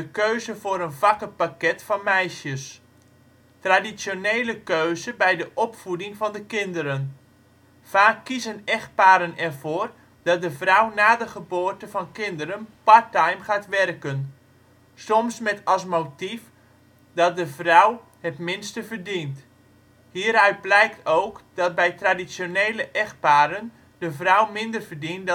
keuze voor een vakkenpakket van meisjes. traditionele keuze bij de opvoeding van de kinderen. Vaak kiezen echtparen ervoor dat de vrouw na de geboorte van kinderen part-time gaat werken. Soms met als motief dat de vrouw het minste verdient. Hieruit blijkt ook dat bij traditionele echtparen de vrouw minder verdient